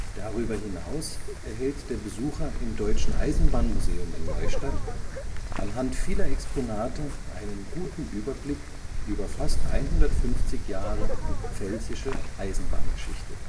Darüber hinaus erhält der Besucher im Deutschen Eisenbahnmuseum in Neustadt anhand vieler Exponate einen guten Überblick über fast 150 Jahre (pfälzische) Eisenbahngeschichte